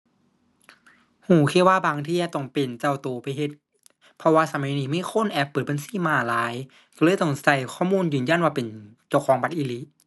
รู้แค่ว่าบางเที่ยต้องเป็นเจ้ารู้ไปเฮ็ด เพราะว่าสมัยนี้มีคนแอบเปิดบัญชีม้าหลาย รู้เลยต้องรู้ข้อมูลยืนยันว่าเป็นเจ้าของบัตรอีหลี